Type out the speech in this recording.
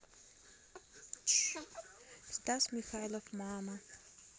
стас михайлов мама